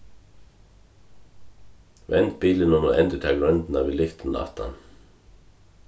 vend bilinum og endurtak royndina við lyktunum aftan